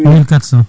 mille quatre cent